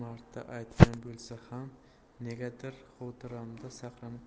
bo'lsa ham negadir xotiramda saqlanib qoldi